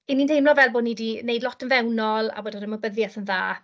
'Y ni'n teimlo fel bod ni 'di wneud lot yn fewnol, a bod yr ymwybyddieth yn dda.